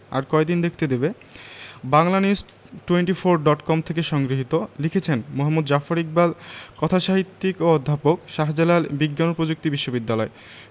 আর কয়দিন দেখতে দেবে বাংলানিউজ টোয়েন্টিফোর ডট কম থেকে সংগৃহীত লিখেছেন মুহাম্মদ জাফর ইকবাল কথাসাহিত্যিক ও অধ্যাপক শাহজালাল বিজ্ঞান ও প্রযুক্তি বিশ্ববিদ্যালয়